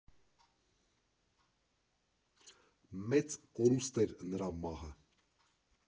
Մեծ կորուստ էր նրա մահը…